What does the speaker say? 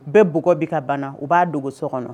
Bɛɛ bɔgɔɔ bɛ ka bana u b'a dogo so kɔnɔ